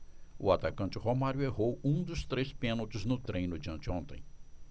o atacante romário errou um dos três pênaltis no treino de anteontem